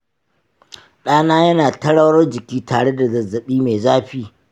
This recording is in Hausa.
ɗana yana ta rawar jiki tare da zazzabi mai zafi